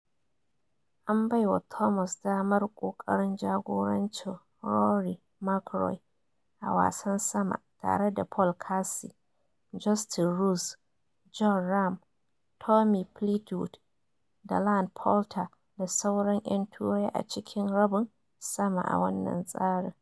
An baiwa Thomas damar kokarin jagorancin Rory McIlroy a wasan sama tare da Paul Casey, Justin Rose, Jon Rahm, Tommy Fleetwood da Ian Poulter da sauran 'yan Turai a cikin rabin sama a wannan tsarin.